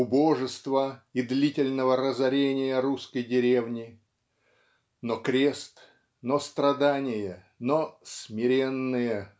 убожества и длительного разорения русской деревни но крест но страдание но "смиренные